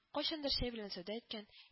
Кайчандыр чәй белән сәүдә иткән